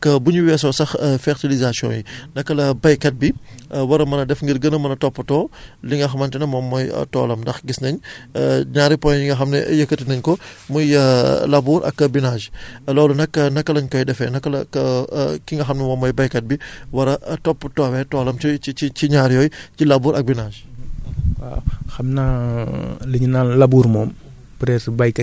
d' accord donc ñu dellusiwaat rekk ci suñu laaj yi xam nga nee nañu nag bu ñu weesoo sax fertilisation yi naka la baykat bi war a mën a def ngir gën a mën a toppatoo li nga xamante ne moom mooy toolam ndax gis nañ ñaari points yi nga xam ne yëkkati nañ ko muy labour ak binage nag naka lañ koy defee naka la ki nga xam ne moom mooy baykat bi war a toppatoowee toolam ci ci ci ci ci ñaar yooyu ci labour ak binage